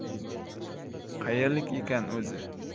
qayerlik ekan o'zi